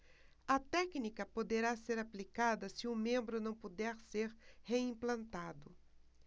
a técnica poderá ser aplicada se o membro não puder ser reimplantado